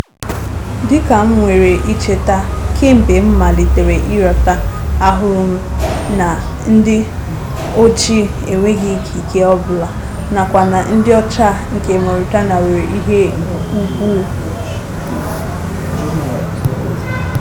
Dịka m nwere ike icheta, kemgbe m malitere ịghọta, ahụrụ m na ndị ojii enweghị ikike ọ bụla, nakwa na ndị ọcha nke Mauritania nwere ihe ugwu.